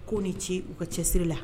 K'u ni ce u ka cɛsiri la